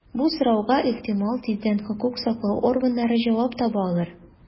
Бу сорауга, ихтимал, тиздән хокук саклау органнары җавап таба алыр.